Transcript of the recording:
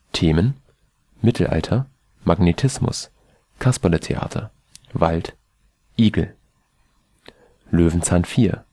Themen: Mittelalter, Magnetismus, Kasperletheater, Wald, Igel) Löwenzahn 4